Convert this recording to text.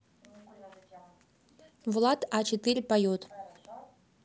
влад а четыре поет